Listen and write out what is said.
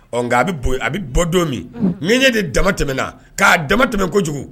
Ɔ nka a bɛ a bɛ bɔ don min n ɲɛ de dama tɛmɛna k'a dama tɛm kojugu